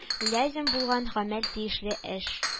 Лязем булган гамәл тиешле эш